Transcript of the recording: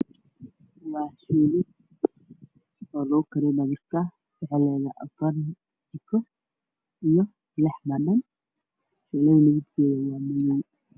Waxaa ii muuqda ku kar lagu kariyo cunada iyo qudaarta iyo wax kasta oo dabka la saarayo waxa uuna ku shaqeeyaa gaas